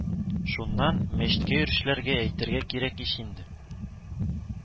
Шуннан, мәчеткә йөрүчеләргә әйтергә кирәк ич инде